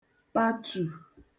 patù